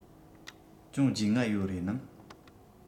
ཅུང རྒྱུས མངའ ཡོད རེད ནམ